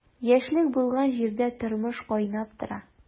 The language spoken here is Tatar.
Яшьлек булган җирдә тормыш кайнап тора.